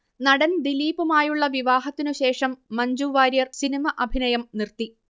നടൻ ദിലീപുമായിട്ടുള്ള വിവാഹത്തിനു ശേഷം മഞ്ജു വാര്യർ സിനിമ അഭിനയം നിർത്തി